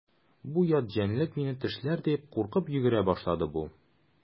Бу ят җәнлек мине тешләр дип куркып йөгерә башлаган бу.